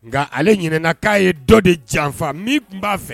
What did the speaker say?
Nka ale ɲinɛna k'a ye dɔ de janfa min tun b'a fɛ